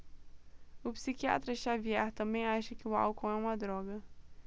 o psiquiatra dartiu xavier também acha que o álcool é uma droga